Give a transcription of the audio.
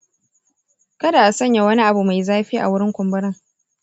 kada a sanya wani abu mai zafi a wurin kumburin.